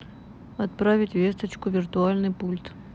отправить весточку виртуальный пульт